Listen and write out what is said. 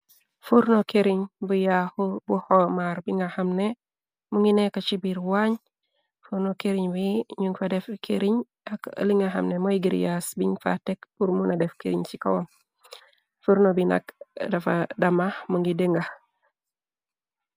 furno keriñ bu yaax bu xoomar bnga xane mu ngi nekka ci biir waañ furno këriñ wi ñun fa def këriñ ak li nga xamne mooy gir yaas biñ fa tekk pur mu na def këriñ ci kawam furno bi nakk defa dama mu ngi dënga